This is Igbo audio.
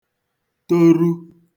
toru